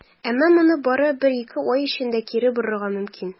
Әмма моны бары бер-ике ай эчендә кире борырга мөмкин.